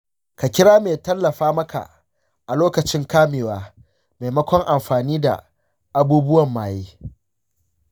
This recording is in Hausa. ka kira mai tallafa maka a lokacin kamewa maimakon amfani da abubuwan maye.